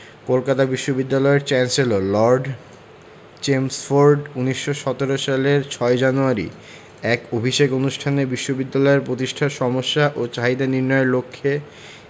কলকাতা বিশ্ববিদ্যালয়ের chancellor Lord Chelmsford ১৯১৭ সালের ৬ January এক অভিষেক অনুষ্ঠানে বিশ্ববিদ্যালয় প্রতিষ্ঠার সমস্যা ও চাহিদা নির্ণয়ের লক্ষ্যে